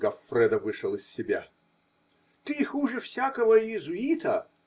Гоффредо вышел из себя: -- Ты хуже всякого иезуита!